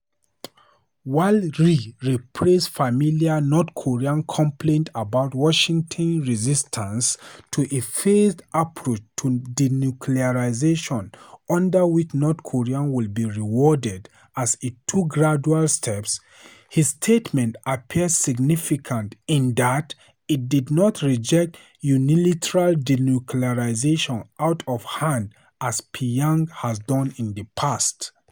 While Ri reprised familiar North Korean complaints about Washington's resistance to a "phased" approach to denuclearization under which North Korea would be rewarded as it took gradual steps, his statement appeared significant in that it did not reject unilateral denuclearization out of hand as Pyongyang has done in the past.